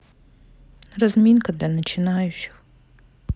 разминка для начинающих